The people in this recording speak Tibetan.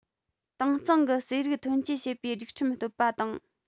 དྭངས གཙང གི ཟས རིགས ཐོན སྐྱེད བྱེད པའི སྒྲིག ཁྲིམས བཏོད པ དང